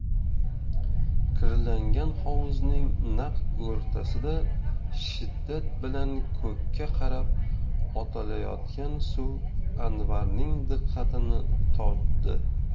kirlangan hovuzning naq o'rtasida shiddat bilan ko'kka qarab otilayotgan suv anvarning diqqatini tortdi